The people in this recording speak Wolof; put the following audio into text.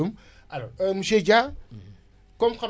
comme xam nañ ne que ne projet 4R bii day yaatal